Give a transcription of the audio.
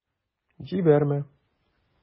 Җибәрмә...